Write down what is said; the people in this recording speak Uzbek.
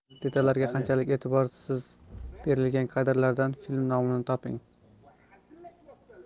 detallarga qanchalik e'tiborlisiz berilgan kadrlardan film nomini toping